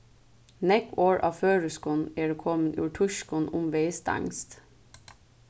nógv orð á føroyskum eru komin úr týskum umvegis danskt